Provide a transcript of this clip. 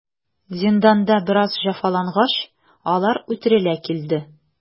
Зинданда бераз җәфалангач, алар үтерелә килде.